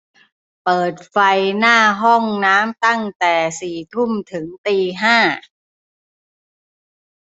เปิดไฟหน้าห้องน้ำตั้งแต่สี่ทุ่มถึงตีห้า